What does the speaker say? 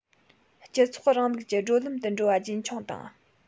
སྤྱི ཚོགས རིང ལུགས ཀྱི བགྲོད ལམ དུ འགྲོ བ རྒྱུན འཁྱོངས དང